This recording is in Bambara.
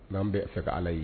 N'an bɛ fɛ ka ala ye